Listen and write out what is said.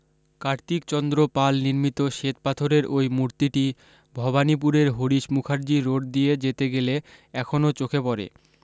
কার্তিক চন্দ্র পাল নির্মিত শ্বেতপাথরের ওই মূর্তিটি ভবানিপুরের হরিশ মুখার্জি রোড দিয়ে যেতে গেলে এখনও চোখে পড়ে